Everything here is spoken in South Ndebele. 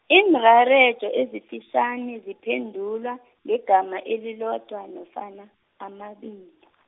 iinrarejo ezifitjhani ziphendulwa, ngegama elilodwa nofana, amabili.